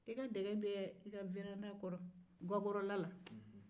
i ka dɛgɛ bɛ i ka gakɔrɔla la